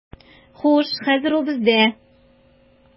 Хуш, хәзер ул бездә.